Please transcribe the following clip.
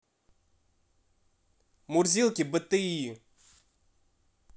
мурзилки бти